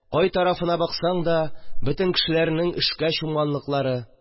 Кай тарафына баксаң да, бөтен кешеләрнең эшкә чумганлыклары